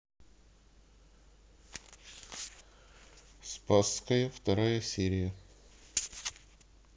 спасская вторая серия